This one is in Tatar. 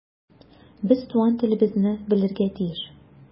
Без туган телебезне белергә тиеш.